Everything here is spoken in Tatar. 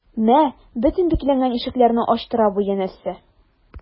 Мә, бөтен бикләнгән ишекләрне ачтыра бу, янәсе...